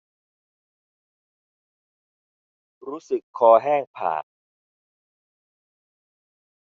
รู้สึกคอแห้งผาก